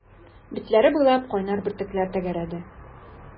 Битләре буйлап кайнар бөртекләр тәгәрәде.